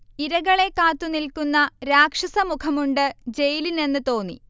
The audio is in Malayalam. ഇരകളെ കാത്തുനിൽക്കുന്ന രാക്ഷസ മുഖമുണ്ട് ജയിലിനെന്ന് തോന്നി